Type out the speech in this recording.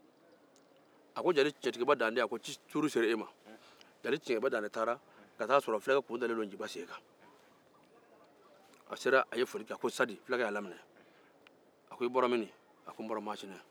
jeli tiɲɛtigiba dantɛ taara ka taa sɔrɔ fɛn kun dalen don nciba sen kan a sera a ye folikɛ ko sadi fulakɛ y'a laminɛ a ko i bɔra mini ko n bɔra masina